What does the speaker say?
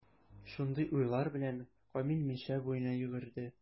Шундый уйлар белән, Камил Мишә буена йөгерде.